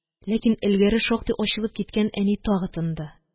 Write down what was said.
Ләкин элгәре шактый ачылып киткән әни тагы тынды